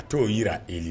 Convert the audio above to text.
A t'o jira e de